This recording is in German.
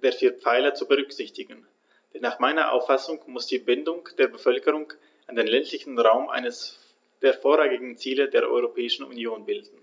der vier Pfeiler zu berücksichtigen, denn nach meiner Auffassung muss die Bindung der Bevölkerung an den ländlichen Raum eines der vorrangigen Ziele der Europäischen Union bilden.